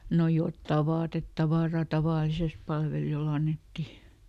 no jotakin vaatetavaraa tavallisesti palvelijoille annettiin